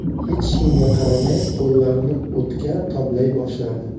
hech kimga qaramay qo'llarini o'tga toblay boshladi